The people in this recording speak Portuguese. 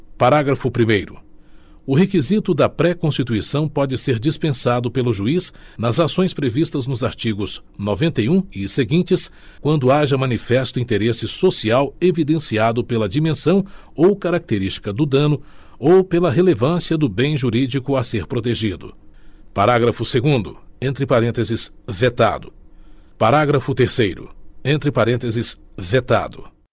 parágrafo primeiro o requisito da préconstituição pode ser dispensado pelo juiz nas ações previstas nos artigos noventa e um e seguintes quando haja manifesto interesse social evidenciado pela dimensão ou característica do dano ou pela relevância do bem jurídico a ser protegido parágrafo segundo entre parênteses vetado parágrafo terceiro entre parênteses vetado